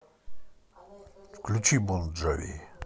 включи бон джови